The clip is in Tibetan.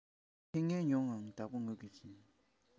ཁྱི ངན སྨྱོ ཡང བདག པོ ངོས ཀྱིས འཛིན